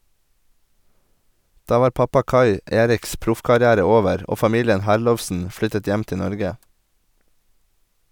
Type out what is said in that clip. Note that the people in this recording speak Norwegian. Da var pappa Kai Eriks proffkarriere over, og familien Herlovsen flyttet hjem til Norge.